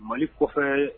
Mali kɔfɛ